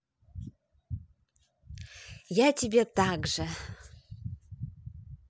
я тебе так же